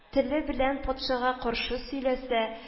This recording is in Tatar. Теле белән патшага каршы сөйләсә